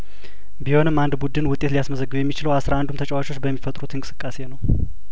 ቢሆንም አንድ ቡድን ውጤት ሊያስመዘግብ የሚችለው አስራ አንዱም ተጫዋቾች በሚፈጥሩት እንቅስቃሴ ነው